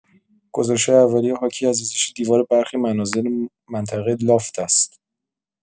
گزارش‌های اولیه حاکی‌از ریزش دیوار برخی منازل منطقه لافت است.